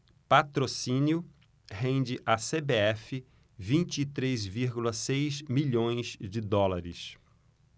patrocínio rende à cbf vinte e três vírgula seis milhões de dólares